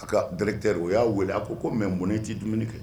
A ka berete o y'a wele a ko ko mɛ bɔnɛ tɛ dumuni kɛ